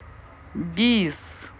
бис